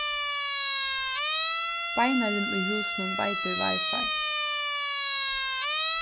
beinarin í húsinum veitir wifi